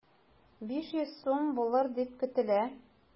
500 сум булыр дип көтелә.